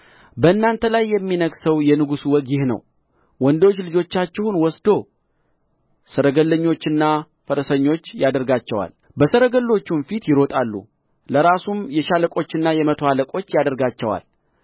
በእናንተ ላይ የሚነግሠው የንጉሡ ወግ ይህ ነው ወንዶች ልጆቻችሁን ወስዶ ሰረገለኞችና ፈረሰኞች ያደርጋቸዋል በሰረገሎቹም ፊት ይሮጣሉ ለራሱም የሻለቆችና የመቶ አለቆች ያደርጋቸዋል